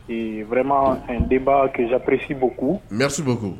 Ee wɛrɛma denba kepresiboku mɛsiboku